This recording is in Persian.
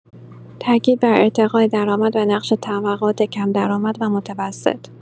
تاکید بر ارتقاء درآمد و نقش طبقات کم‌درآمد و متوسط